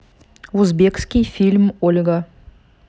узбекский фильм ольга